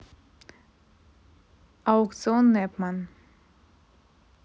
аукцыон нэпман